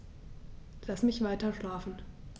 Lass mich weiterschlafen.